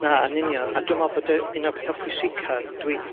Na, yn union, a dwi me'wl bod y un o petha pwysica dwi 'di